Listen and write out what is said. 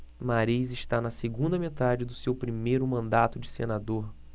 mariz está na segunda metade do seu primeiro mandato de senador